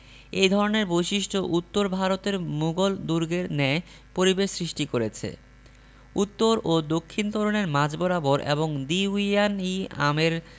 এ ধরনের বৈশিষ্ট্য উত্তর ভারতের মুগল দুর্গের ন্যায় পরিবেশ সৃষ্টি করেছে উত্তর ও দক্ষিণ তোরণের মাঝ বরাবর এবং দীউয়ান ই আমের